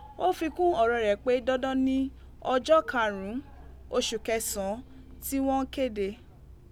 O fikun ọrọ rẹ pe dandan ni ọjọ karun un, oṣu Kẹsan ti wọn kede.